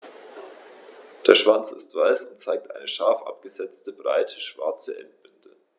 Der Schwanz ist weiß und zeigt eine scharf abgesetzte, breite schwarze Endbinde.